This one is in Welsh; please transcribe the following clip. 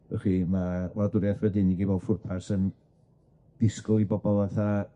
Gwel chi ma' wladwriath Brydeinig i fob ffwrpas yn disgwyl i bobol fatha